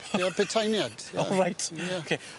Ie puteinied ie. O reit. Ie. Ocê.